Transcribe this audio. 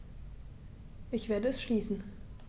Ich werde es schließen.